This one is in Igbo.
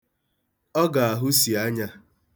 Ọ ga-ahụsi anya.